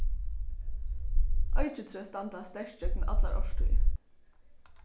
eikitrø standa sterk gjøgnum allar árstíðir